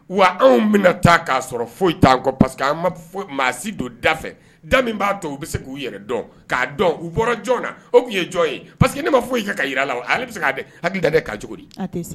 Wa anw bɛna taa k'a sɔrɔ foyi kɔ parce que an maasi don da fɛ da b'a to u bɛ se k'u yɛrɛ dɔn k'a dɔn u bɔra jɔn na o' ye jɔn ye pa que ne ma foyi i ye ka jira la bɛ se'a hakili da ka cogo